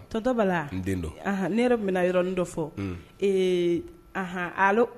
Tonton Bala N den don wa? Ahan ne yɛrɛ tun bɛna yɔrɔnin dɔ fɔ. Unhun. Ee ahan _allo?